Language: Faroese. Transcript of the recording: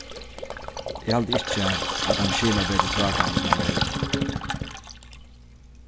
eg haldi ikki at ein skilabetri frágreiðing man vera